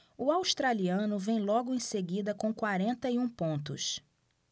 o australiano vem logo em seguida com quarenta e um pontos